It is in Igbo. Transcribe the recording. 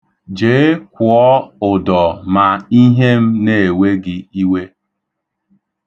Jee kwụọ ụdọ ma ihe m na-ewe gị iwe.